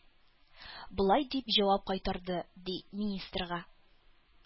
Болай дип җавап кайтарды, ди, министрга: